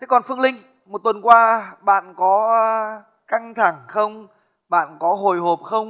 thế còn phương linh một tuần qua bạn có a căng thẳng không bạn có hồi hộp không